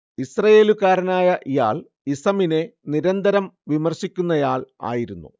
ഇസ്രയേലുകാരനായ ഇയാൾ ഇസമിനെ നിരന്തരം വിമർശിക്കുന്നയാൾ ആയിരുന്നു